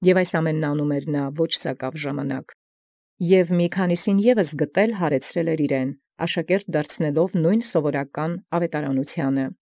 Եւ զայս ամենայն առնէր ոչ սակաւ ժամանակս։ Եւ գտեալ ևս զոմանս՝ յինքն յարեցուցանէր՝ աշակերտեալ նմին սովորական աւետարանութեան։